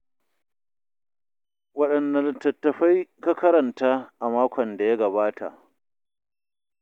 MJ: Waɗanne littatafai ka karanta a makon da ya gabata?